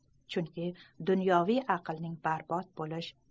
chunki dunyoviy aqlning barbod bolish